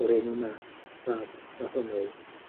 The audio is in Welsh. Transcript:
o'r enw Math fab Mathonwy